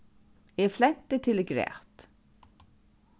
eg flenti til eg græt